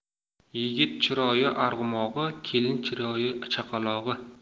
yigit chiroyi arg'umog'i kelin chiroyi chaqalog'i